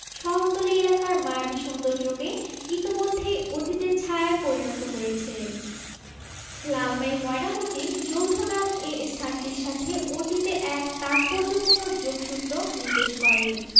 শহরতলি এখানকার মায়াবী সৌন্দর্যকে ইতোমধ্যেই অতীতের ছায়ায় পরিণত করেছে লালমাই ময়নামতী যৌথনাম এ স্থানটির সাথে অতীতের এক তাৎপর্যপূর্ণ যোগসূত্র নির্দেশ করে